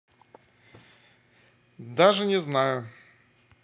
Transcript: даже не знаю